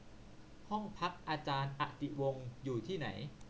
ห้องพักอาจารย์อติวงศ์อยู่ที่ไหน